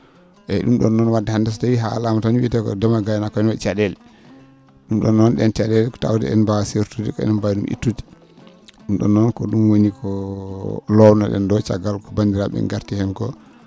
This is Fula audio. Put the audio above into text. eyyi ?um ?on noon wadde hannde so tawii haalama tan wiiyete ko ndeemo e gaynaako ene wa?i ca?ele ?um ?on ?on ?en ca?ele tawde en mbawa sertude e?en mbaawi ?um ittude vum ?on noon ko ?um woni ko lowno?en ?o caggal ko bandir?e garti heen ko